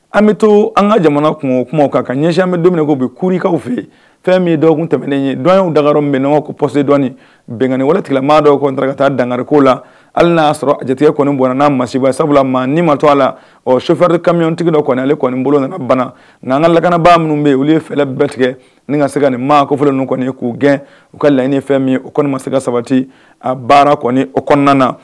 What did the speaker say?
An bɛ to an ka jamana kun o kuma kan ka ɲɛsɛmɛ dumuni k' bi k kururikaw fɛ yen fɛn min dɔw tɛmɛnen ye dɔn dan minɛnɲɔgɔn posidɔ bɛng walemaa dɔw kɔnitan ka taa dangariko la hali n'a sɔrɔ jate bɔnna n'a masiwale sabula maa ma to a la o sofarinri kamiy tigi dɔɛli kɔni bolo nana bana na an ka laganabaa minnu bɛ u ye fɛlɛ bɛɛ tigɛ ni ka se ka nin maa kofi ninnu kɔni k'u gɛn u ka laɲiniini fɛn min o kɔni ma se ka sabati a baara kɔni o kɔnɔna na